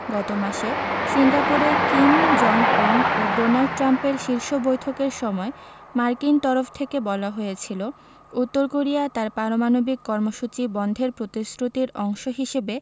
গত মাসে সিঙ্গাপুরে কিম জং উন ও ডোনাল্ড ট্রাম্পের শীর্ষ বৈঠকের সময় মার্কিন তরফ থেকে বলা হয়েছিল উত্তর কোরিয়া তার পারমাণবিক কর্মসূচি বন্ধের প্রতিশ্রুতির অংশ হিসেবে